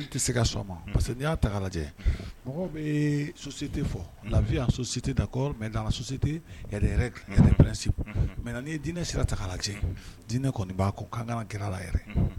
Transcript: Se ka parce que y'a lajɛ mɔgɔ bɛ susite fɔ lafi site mɛ dante psi mɛ dinɛ sera ta la dinɛ kɔni b'a ko' ka g la yɛrɛ